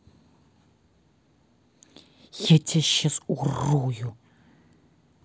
я тебя ща урою